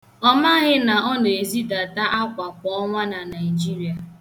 Ọ maghị na ọ na-ezidata akwa kwa ọnwa na Naịjirịa.